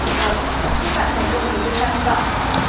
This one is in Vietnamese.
vâng chúc bạn thành công với ngôi sao hy vọng